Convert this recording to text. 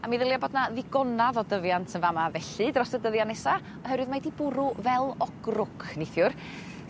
A mi ddylia bod 'na ddigonadd o dyfiant yn fa' 'ma felly dros y dyddia' nesa. oherwydd mae 'di bwrw fel o grwc neithiwr